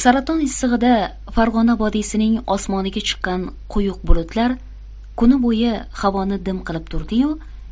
saraton issig'ida farg'ona vodiysining osmoniga chiqqan quyuq bulutlar kuni bo'yi havoni dim qilib turdi yu